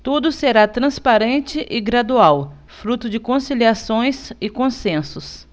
tudo será transparente e gradual fruto de conciliações e consensos